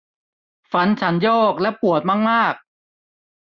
ฟันฉันโยกและปวดมากมาก